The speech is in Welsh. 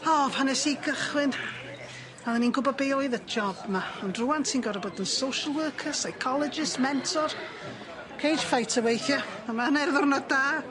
O pan nes i gychwyn odden i'n gwbo be' oedd y job 'ma, ond rŵan ti'n gor'o' bod yn social worker, psychologist, mentor, cage fighter weithie, a ma' hynny ar ddyrnod da!